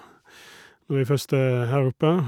Når vi først er her oppe.